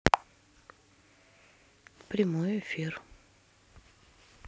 прямой эфир